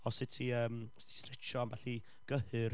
O sut i yym, o sut i stretsio ambell i gyhyr,